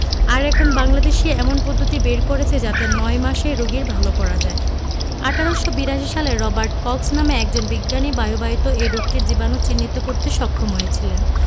আর এখন বাংলাদেশই এমন পদ্ধতি বের করেছে যাতে ৯ মাসেই রোগীর ভালো করা যায় ১৮৮২ সালে রবার্ট কক্স নামে একজন বিজ্ঞানী বায়ুবাহিত এ রোগটির জীবাণু চিহ্নিত করতে সক্ষম হয়েছিলেন